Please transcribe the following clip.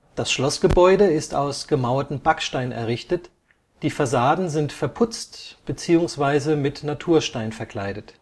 Das Schlossgebäude ist aus gemauertem Backstein errichtet; die Fassaden sind verputzt, beziehungsweise mit Naturstein verkleidet